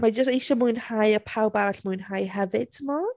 Mae jyst eisiau mwynhau a pawb arall mwynhau hefyd, timod?